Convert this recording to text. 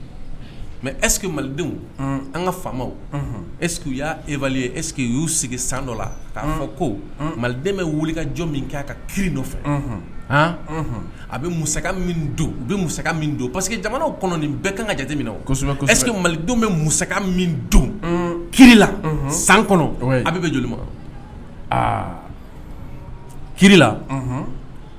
Mɛ e malidenw an ka faw e y'ae eseke y'u sigi san dɔ la k' fɔ ko malidenw bɛ wuli ka jɔn min kɛ a ka ki nɔfɛ a bɛ mu don a bɛ mu don pa que jamanaw kɔnɔ bɛɛ ka ka jate o eseke malidenw bɛ musa min don kila san kɔnɔ a bɛ bɛ joli kila